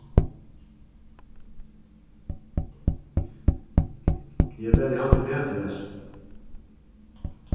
eg bað teg halda uppat við hasum